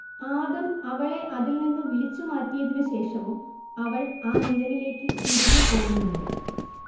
ആദം അവളെ അതിൽ നിന്നു വിളിച്ചു മാറ്റിയതിനു ശേഷവും അവൾ ആ നിഴലിലേയ്ക്ക് തിരികേ പോകുന്നുണ്ട്